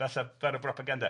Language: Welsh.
falle fel y propaganda.